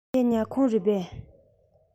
འདི ཉལ ཁང རེད པས